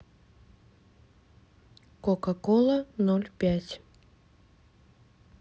кока кола ноль пять